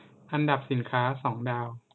อันดับสินค้าสองดาว